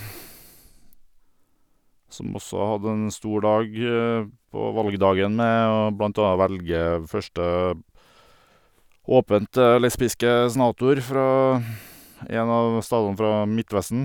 Som også hadde en stor dag på valgdagen med å blant anna velge første åpent lesbiske senator fra en av statene fra Midtvesten.